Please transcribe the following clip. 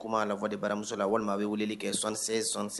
Kuma la voie de baramuso la walima a bɛ weleli kɛ 7676